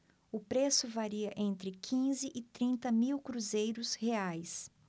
o preço varia entre quinze e trinta mil cruzeiros reais